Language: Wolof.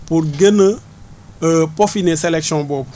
pour gën a pofiner sellection boobu